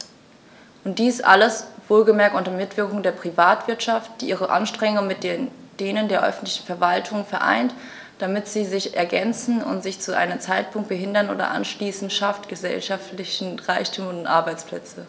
Und dies alles - wohlgemerkt unter Mitwirkung der Privatwirtschaft, die ihre Anstrengungen mit denen der öffentlichen Verwaltungen vereint, damit sie sich ergänzen und sich zu keinem Zeitpunkt behindern oder ausschließen schafft gesellschaftlichen Reichtum und Arbeitsplätze.